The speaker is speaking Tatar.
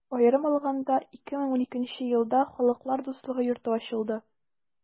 Аерым алаганда, 2012 нче елда Халыклар дуслыгы йорты ачылды.